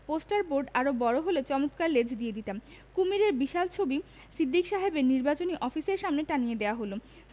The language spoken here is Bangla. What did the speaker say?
পোস্টার বোর্ড আয়ে বড় হলে চমৎকার লেজ দিয়ে দিতাম কুশীবের বিশাল ছবি সিদ্দিক সাহেবের নির্বাচনী অফিসের সামনে টানিয়ে দেয়া হল